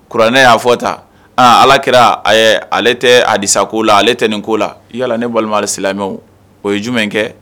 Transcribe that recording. Kuranɛ y'a fɔ ta aa ala kɛrara ale tɛ a disako la ale tɛ nin ko la yala ne walima silamɛmɛ o ye jumɛn kɛ